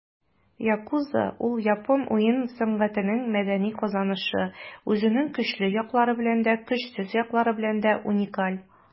Yakuza - ул япон уен сәнәгатенең мәдәни казанышы, үзенең көчле яклары белән дә, көчсез яклары белән дә уникаль.